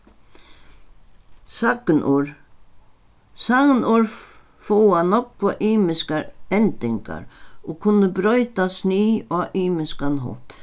sagnorð sagnorð fáa nógva ymiskar endingar og kunnu broyta snið á ymiskan hátt